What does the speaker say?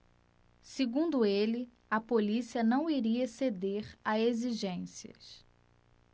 segundo ele a polícia não iria ceder a exigências